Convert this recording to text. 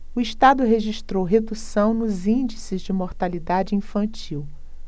o estado registrou redução nos índices de mortalidade infantil